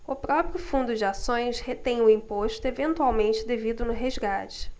o próprio fundo de ações retém o imposto eventualmente devido no resgate